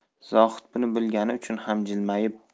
zohid buni bilgani uchun ham jilmayib